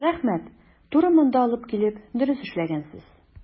Рәхмәт, туры монда алып килеп дөрес эшләгәнсез.